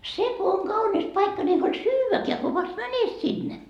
se kun on kaunis paikka niin ei huoli syödäkään kun vasta menet sinne